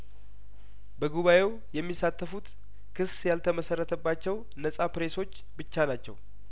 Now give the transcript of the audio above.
በጉባኤው የሚሳተፉት ክስ ያልተመሰረተባቸው ነጻ ፕሬሶች ብቻ ናቸው